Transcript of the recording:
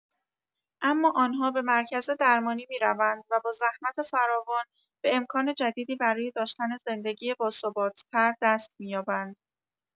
اما آن‌ها به مرکز درمانی می‌روند و با زحمت فراوان به امکان جدیدی برای داشتن زندگی باثبات‌تر دست می‌یابند.